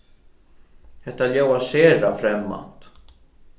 hetta ljóðar sera fremmant